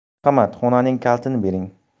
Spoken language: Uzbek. marhamat xonaning kalitini bering